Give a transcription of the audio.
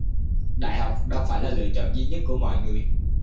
đại học đâu phải là lựa chọn duy nhất của mọi người